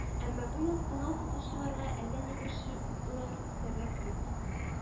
Әмма быел сынау тотучыларга әллә ни борчы лыр сәбәп юк